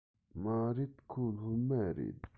མ རེད ཁོ སློབ མ རེད